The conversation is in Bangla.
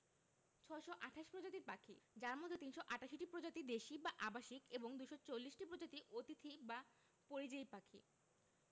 ৬২৮ প্রজাতির পাখি যার মধ্যে ৩৮৮টি প্রজাতি দেশী বা আবাসিক এবং ২৪০ টি প্রজাতি অতিথি বা পরিযায়ী পাখি